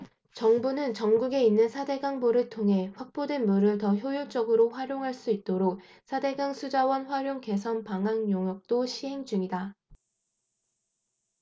정부는 전국에 있는 사 대 강 보를 통해 확보된 물을 더 효율적으로 활용할 수 있도록 사 대 강 수자원 활용 개선 방안 용역도 시행 중이다